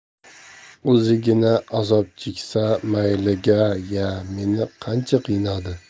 o'zigina azob cheksa mayliga ya meni qancha qiynadi